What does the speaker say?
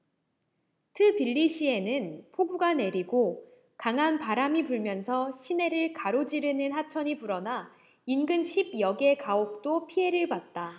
트빌리시에는 폭우가 내리고 강한 바람이 불면서 시내를 가로지르는 하천이 불어나 인근 십 여 개 가옥도 피해를 봤다